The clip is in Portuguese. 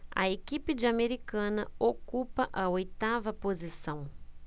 a equipe de americana ocupa a oitava posição